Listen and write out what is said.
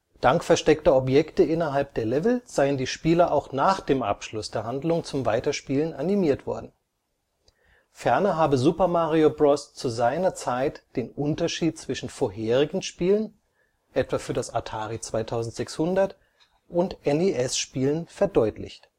Dank versteckter Objekte innerhalb der Level seien die Spieler auch nach dem Abschluss der Handlung zum Weiterspielen animiert worden. Ferner habe Super Mario Bros. zu seiner Zeit den Unterschied zwischen vorherigen Spielen, etwa für das Atari 2600, und NES-Spielen verdeutlicht